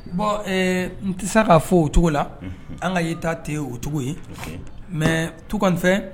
Bɔn n tɛ ka fɔ o cogo la an ka' ta ten o cogo ye mɛ tu kɔnifɛn